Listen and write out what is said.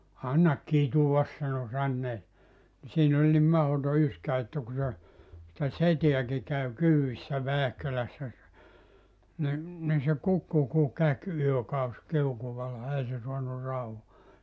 anna kitua sanoi sanoneen niin siinä oli niin mahdoton yskä että kun se sitä setääkin kävi kyydissä Väähkölässä se niin niin se kukkui kuin käki yökausi kiukaalla ei se saanut rauhaa